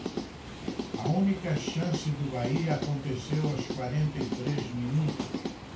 a única chance do bahia aconteceu aos quarenta e três minutos